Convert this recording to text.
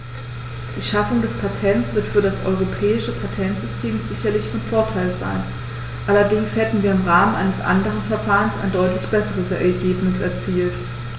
Die Schaffung des Patents wird für das europäische Patentsystem sicherlich von Vorteil sein, allerdings hätten wir im Rahmen eines anderen Verfahrens ein deutlich besseres Ergebnis erzielt.